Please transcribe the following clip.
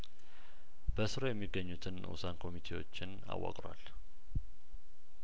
በስሩ የሚገኙትን ንኡሳን ኮሚቴዎችን አዋቅሯል